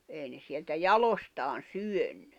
ei ne sieltä jaloistaan syönyt